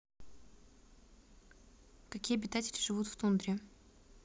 какие обитатели живут в тундре